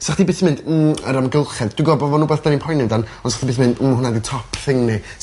'sach chdi byth yn mynd mmm yr amgylchedd dwi'n g'o' bo' fo'n wbath 'dan ni'n poeni amdan ond s' ti byth yn mynd ww hwnna yw top thing ni.